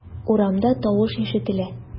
Урамда тавыш ишетелә.